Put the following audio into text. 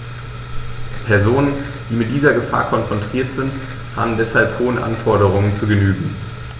Personen, die mit dieser Gefahr konfrontiert sind, haben deshalb hohen Anforderungen zu genügen.